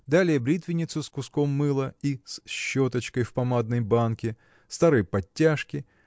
далее бритвенницу с куском мыла и с щеточкой в помадной банке старые подтяжки